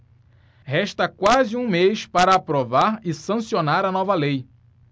resta quase um mês para aprovar e sancionar a nova lei